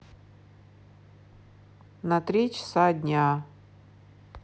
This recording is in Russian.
на три часа дня